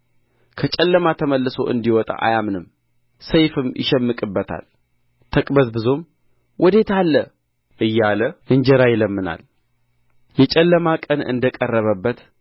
ከጨለማ ተመልሶ እንዲወጣ አያምንም ሰይፍም ይሸምቅበታል ተቅበዝብዞም ወዴት አለ እያለ እንጀራ ይለምናል የጨለማ ቀን እንደ ቀረበበት